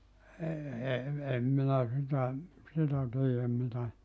ei en en minä sitä sitä - mitä